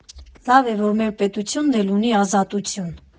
Լավ է, որ մեր պետությունն էլ ունի Ազատություն։